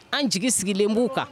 An jigin sigilenlen b'u kan